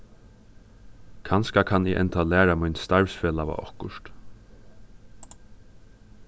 kanska kann eg enntá læra mín starvsfelaga okkurt